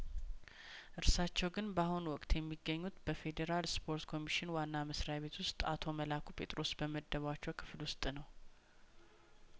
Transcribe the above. እርሳቸው ግን በአሁን ወቅት የሚገኙት በፌዴራል ስፖርት ኮሚሽን ዋና መስሪያቤት ውስጥ አቶ መላኩ ጴጥሮስ በመደቧቸው ክፍል ውስጥ ነው